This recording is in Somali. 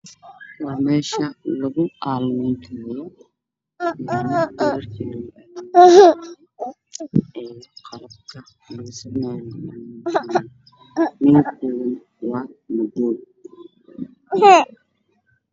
Meeshaan waxaa ka muuqda qalabka lagu sameeyey jiimka midabkiisuna waa madow dhulku yaallana waa caddaan